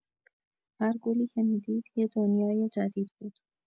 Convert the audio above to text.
هر گلی که می‌دید، یه دنیای جدید بود.